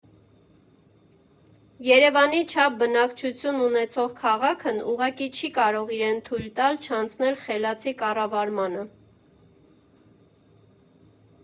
Երևանի չափ բնակչություն ունեցող քաղաքն ուղղակի չի կարող իրեն թույլ տալ չանցնել «խելացի» կառավարմանը։